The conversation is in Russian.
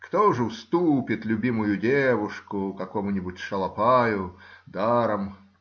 Кто же уступит любимую девушку какому-нибудь шалопаю даром?